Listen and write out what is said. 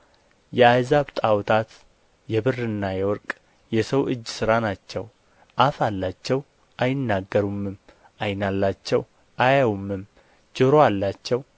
የአሕዛብ ጣዖታት የብርና የወርቅ የሰው እጅ ሥራ ናቸው አፍ አላቸው አይናገሩምም ዓይን አላቸው አያዩምም ጆሮ አላቸው